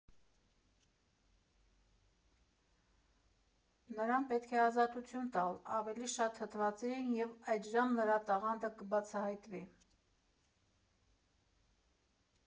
Նրան պետք է ազատություն տալ, ավելի շատ թթվածին, և այդժամ նրա տաղանդը կբացահայտվի։